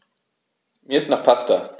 Mir ist nach Pasta.